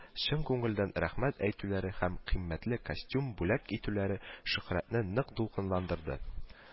Чын күңелдән рәхмәт әйтүләре һәм кыйммәтле костюм бүләк итүләре шөһрәтне нык дулкынландырды